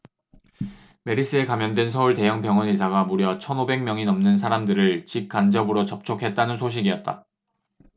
메르스에 감염된 서울 대형 병원 의사가 무려 천 오백 명이 넘는 사람들을 직 간접으로 접촉했다는 소식이었다